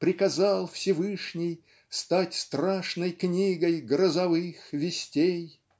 приказал Всевышний стать страшной книгой грозовых вестей".